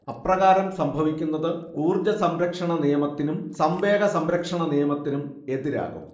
അപ്രകാരം സംഭവിക്കുന്നത് ഊർജ്ജസംരക്ഷണനിയമത്തിനും സംവേഗസംരക്ഷണനിയമത്തിനും എതിരാകും